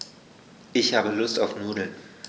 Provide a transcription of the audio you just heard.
Ich habe Lust auf Nudeln.